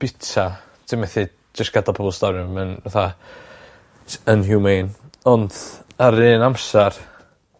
bita ti methu jyst gadal pobol starfio ma'n fatha s- unhumane. Ont ar yr un amsar